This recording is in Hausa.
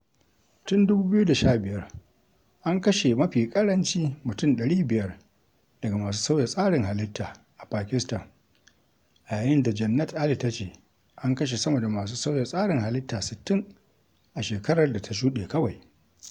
Tun 2015, an kashe mafi ƙaranci mutum 500 daga masu sauya tsarin halitta a Pakistan, a yayin da Jannat Ali ta ce an kashe sama da masu sauya tsarin halitta 60 a shekarar da ta shuɗe kawai.